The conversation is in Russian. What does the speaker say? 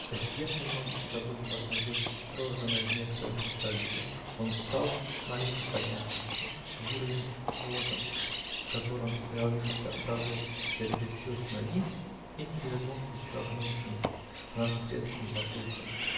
Посидев немного и заботливо осмотрев прорванное в некоторых местах белье, он встал, с молитвой поднял свечу в уровень с кивотом, в котором стояло несколько образов, перекрестился на них и перевернул свечу огнем вниз. Она с треском потухла.